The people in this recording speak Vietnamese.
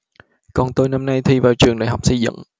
con tôi năm nay thi vào trường đại học xây dựng